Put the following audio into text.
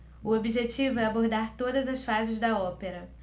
o objetivo é abordar todas as fases da ópera